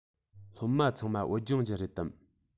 སློབ མ ཚང མ བོད ལྗོངས ཀྱི རེད དམ